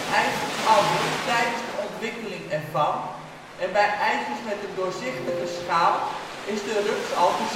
ei verandert tijdens de ontwikkeling ervan en bij eitjes met een doorzichtige schaal is de rups al te zien